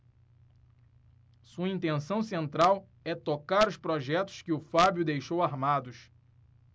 sua intenção central é tocar os projetos que o fábio deixou armados